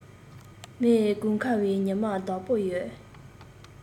མེ དགུན ཁའི ཉི མར བདག པོ ཡོད